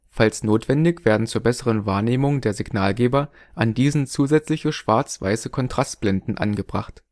Falls notwendig werden zur besseren Wahrnehmung der Signalgeber an diesen zusätzliche schwarz/weiße Kontrastblenden angebracht